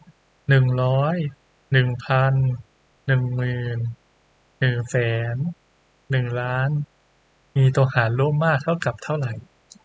หนึ่งร้อยหนึ่งพันหนึ่งหมื่นหนึ่งแสนหนึ่งล้านมีตัวหารร่วมมากเท่ากับเท่าไหร่